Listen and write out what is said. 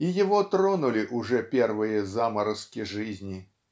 и его тронули уже первые заморозки жизни.